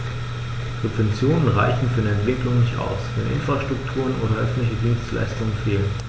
Subventionen reichen für eine Entwicklung nicht aus, wenn Infrastrukturen oder öffentliche Dienstleistungen fehlen.